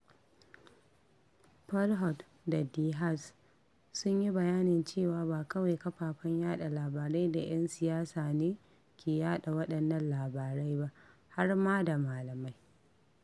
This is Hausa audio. Falhauɗ da De Haas sun yi bayanin cewa ba kawai "kafafen yaɗa labarai da 'yan siyasa' ne ke yaɗa waɗannan labarai ba har ma da malamai.